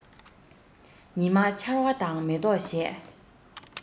ཉི མ འཆར བ དང མེ ཏོག བཞད